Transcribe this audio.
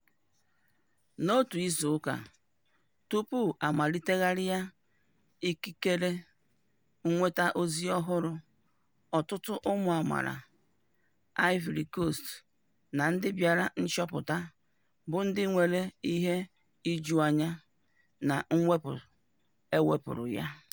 N'otu izu ụka tupu a malitegharịa ikikere nweta ozi ọhụrụ, ọtụtụ ụmụ amala Ivory Coast na ndị bịara nchọpụta bụ ndị nwere ihe iju anya na mwepu ewepuru ya.